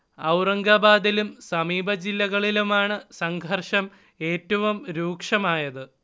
ഔറംഗാബാദിലും സമീപ ജില്ലകളിലുമാണ് സംഘർഷം ഏറ്റവും രൂക്ഷമായത്